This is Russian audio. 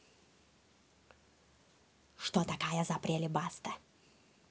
что такая запрели баста